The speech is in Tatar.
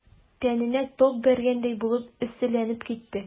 Тәненә ток бәргәндәй булып эсселәнеп китте.